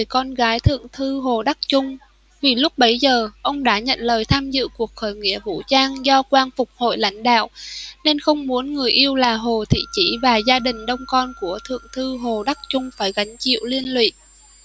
con gái thượng thư hồ đắc trung vì lúc bấy giờ ông đã nhận lời tham dự cuộc khởi nghĩa vũ trang do quang phục hội lãnh đạo nên không muốn người yêu là hồ thị chỉ và gia đình đông con của thượng thư hồ đắc trung phải gánh chịu liên lụy